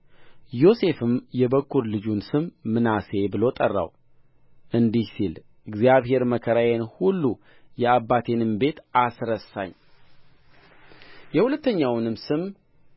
ዮሴፍም የበኵር ልጁን ስም ምናሴ ብሎ ጠራው እንዲህ ሲል እግዚአብሔር መከራዬን ሁሉ የአባቴንም ቤት አስረሳኝ የሁለተኛውንም ስም